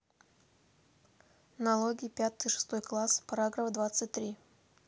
налоги пятый шестой класс параграф двадцать три